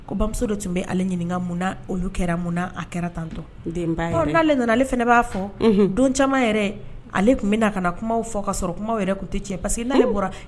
Komuso tun bɛ ɲininka munna kɛra a kɛra tan nana ale fana b'a fɔ don caman yɛrɛ ale tun bɛ ka kumaw fɔ ka sɔrɔ kuma yɛrɛ tun tɛ cɛ pa